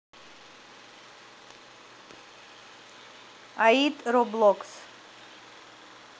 аид roblox